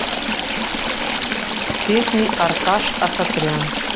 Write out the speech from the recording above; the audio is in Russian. песни арташ асатрян